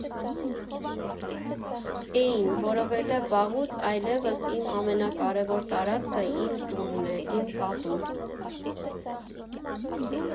Էին, որովհետև վաղուց այլևս իմ ամենակարևոր տարածքը իմ տունն է, իմ կատուն։